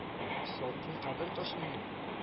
— салкын кабер ташынмы